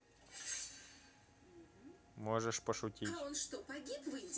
можешь пошутить